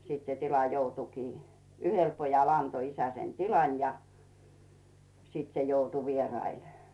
sitten se tila joutuikin yhdelle pojalle antoi isä sen tilan ja sitten se joutui vieraille